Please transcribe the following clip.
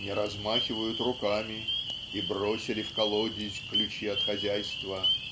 "не размахивают руками и бросили в колодезь ключи от хозяйства"